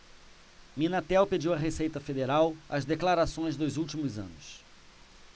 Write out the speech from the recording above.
minatel pediu à receita federal as declarações dos últimos anos